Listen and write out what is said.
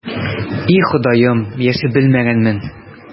И, Ходаем, яши белмәгәнмен...